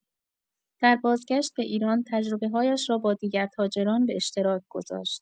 در بازگشت به ایران، تجربه‌هایش را با دیگر تاجران به اشتراک گذاشت.